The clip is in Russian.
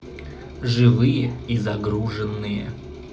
живые и загруженные